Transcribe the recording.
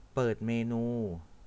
เปิดเมนู